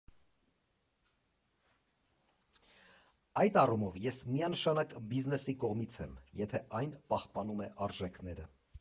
Այդ առումով ես միանշանակ բիզնեսի կողմից եմ, եթե այն պահպանում է արժեքները։